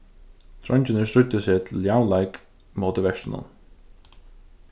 dreingirnir stríddu seg til javnleik móti vertunum